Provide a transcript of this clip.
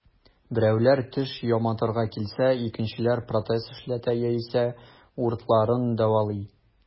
Берәүләр теш яматырга килсә, икенчеләр протез эшләтә яисә уртларын дәвалый.